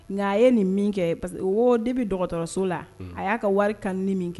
Nka a ye nin min kɛ parce que o de bɛ dɔgɔtɔrɔso la a y'a ka wari ka ni min kɛ